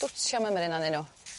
dwtsio mymryn arnyn n'w.